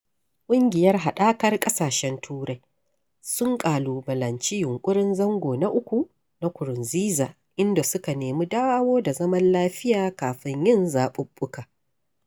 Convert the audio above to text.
ƙungiyar haɗakar ƙasashen Turai sun ƙalubalanci yunƙurin zango na uku na Nkurunziza, inda suka nemi dawo da zaman lafiya kafin yin zaɓuɓɓuka.